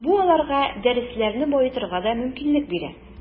Бу аларга дәресләрне баетырга да мөмкинлек бирә.